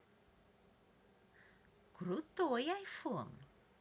крутой айфон